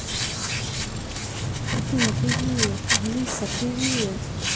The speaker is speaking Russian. афина привет алиса привет